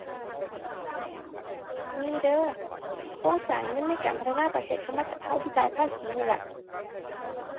มีเด้อ โครงสร้างเงินในการพัฒนาประเทศก็มาจากก็ที่จ่ายภาษีนี่ล่ะ